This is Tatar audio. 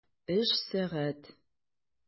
Өч сәгать!